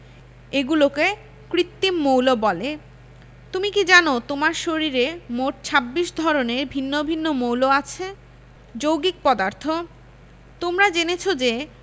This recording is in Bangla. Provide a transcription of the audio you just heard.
এগুলোকে কৃত্রিম মৌল বলে তুমি কি জানো তোমার শরীরে মোট ২৬ ধরনের ভিন্ন ভিন্ন মৌল আছে যৌগিক পদার্থ তোমরা জেনেছ যে